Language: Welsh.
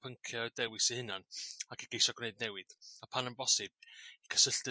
pyncia' dewis eu hunan ag i geisio g'neud newid a pan yn bosib cysylltu